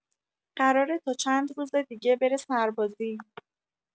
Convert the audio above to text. قراره تا چند روز دیگه بره سربازی